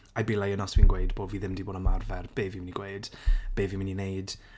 I'd be lying os fi'n gweud bo' fi ddim 'di bod yn ymarfer be fi'n mynd i gweud be fi'n mynd i wneud.